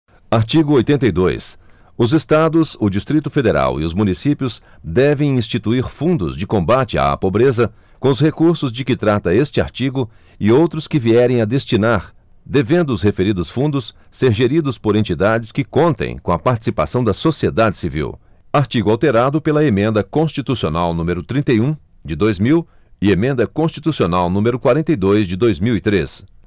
artigo oitenta e dois os estados o distrito federal e os municípios devem instituir fundos de combate á pobreza com os recursos de que trata este artigo e outros que vierem a destinar devendo os referidos fundos ser geridos por entidades que contem com a participação da sociedade civil artigo alterado pela emenda constitucional número trinta e um de dois mil e emenda constitucional número quarenta e dois de dois mil e três